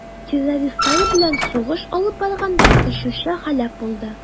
Террористлар белән сугыш алып барганда очучы һәлак булды.